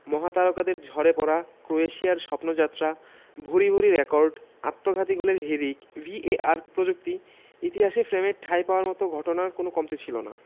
মহাতারকাদের ঝরে পড়া ক্রোয়েশিয়ার স্বপ্নযাত্রা ভূরি ভূরি রেকর্ড আত্মঘাতী গোলের হিড়িক ভিএআর প্রযুক্তি ইতিহাসের ফ্রেমে ঠাঁই পাওয়ার মতো ঘটনার কোনো কমতি ছিল না